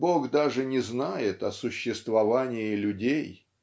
Бог даже не знает о существовании людей.